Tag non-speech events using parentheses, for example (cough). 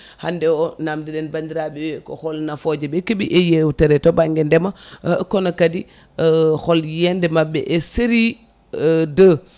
hande o namdiɗen bandiraɓe ko hol nafooje ɓe keeɓi e yewtere to banggue ndeema kono kadi (hesitation) hol yiyande mabɓe e sérié 2